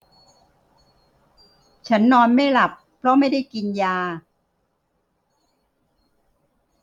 ฉันนอนไม่หลับเพราะไม่ได้กินยา